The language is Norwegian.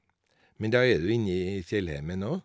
Men da er du inni fjellheimen òg.